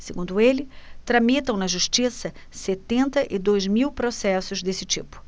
segundo ele tramitam na justiça setenta e dois mil processos desse tipo